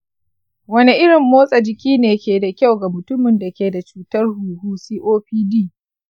wane irin motsa jiki ne ke da kyau ga mutumin da ke da cutar huhu copd?